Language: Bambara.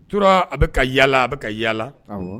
Tora a bɛ ka yaala a bɛ ka yaala